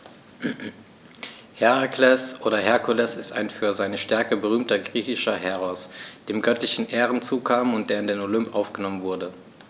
Herakles oder Herkules ist ein für seine Stärke berühmter griechischer Heros, dem göttliche Ehren zukamen und der in den Olymp aufgenommen wurde.